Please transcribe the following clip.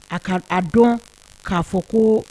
A ka a dɔn k'a fɔ ko